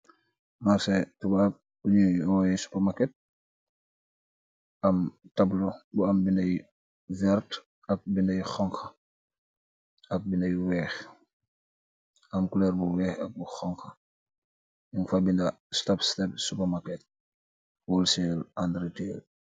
Marche tubaab bu nyoi oyeh supermarket am tapp lu bu aam benda yu verrt ak benda yu xonxa ak benda yu weex am colur bu weex ak bu xonxa nyun fa benda stop step supermarket wholesale and retail.